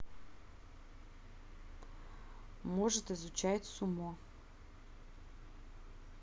может изучает сумо